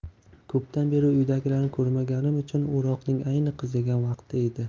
ko'pdan beri uydagilarni ko'rmaganim uchun o'roqning ayni qizigan vaqti edi